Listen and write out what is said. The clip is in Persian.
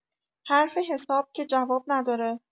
حرف حساب که جواب نداره!